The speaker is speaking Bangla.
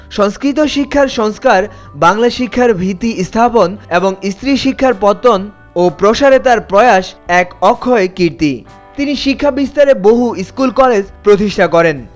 সংস্কৃত শিক্ষার সংস্কার বাংলা শিক্ষার ভিত্তি স্থাপন স্ত্রীর শিক্ষার পত্তন ও প্রসারে তার প্রয়াস এক অক্ষয় কীর্তি তিনি শিক্ষা বিস্তারে বহু স্কুল কলেজ প্রতিষ্ঠা করেন